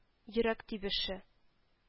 — йөрәк тибеше